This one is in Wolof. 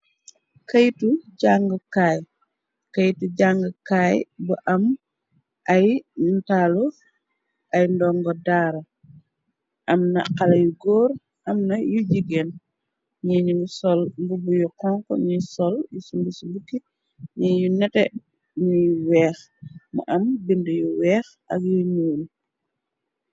Kaytu jàng kaay, kaytu jang kaay bu am ay nitaalu ay ndongo daara, am na xala yu góor amna yu jigéen, ñi ñu ngi sol mbubu yu xonxu, ñuy sol yu bumsi bumsii bukki, ñi yu nete, ñi weex, mu am binde yu weex ak yu ñuul.